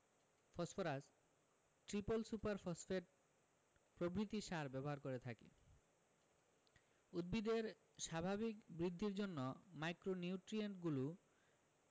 phosphorus triple super phosphate প্রভৃতি সার ব্যবহার করে থাকি উদ্ভিদের স্বাভাবিক বৃদ্ধির জন্য মাইক্রোনিউট্রিয়েন্টগুলোও